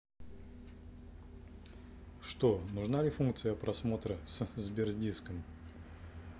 что нужна ли функция просмотра с сбер диском